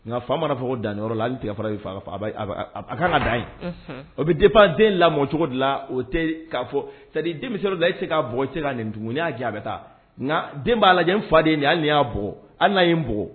Nka fa m'a fɔ ko danyɔrɔ la n tigɛ fara a kan ka da o bɛ denba den lamɔcogo dilan la o k'a fɔ sadi den la e tɛ se ka bɔ ka nin tugun y'a jan a bɛ taa nka den b'a lajɛ faden y'a hali n' ye n bɔ